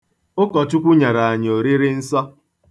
Ụkọchukwu nyere anyị Oririnsọ.